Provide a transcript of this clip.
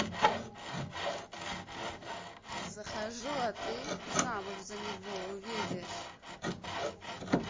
захожу а ты замуж за него увидишь